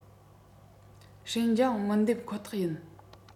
སྲན ལྗང མི འདེབ ཁོ ཐག ཡིན